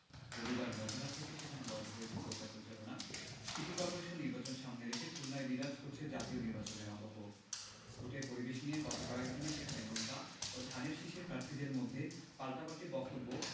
রবিবার মধ্যরাত থেকে সেখানে বন্ধ হয়েছে প্রচার প্রচারণা সিটি করপোরেশন নির্বাচন সামনে রেখে খুলনায় বিরাজ করছে জাতীয় নির্বাচনের আবহ ভোটের পরিবেশ নিয়ে গত কয়েক দিনে সেখানে নৌকা ও ধানের শীষের প্রার্থীর মধ্যে পাল্টাপাল্টি বক্তব্য